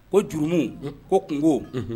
Ko juruumu ko kunko